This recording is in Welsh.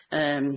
Yym.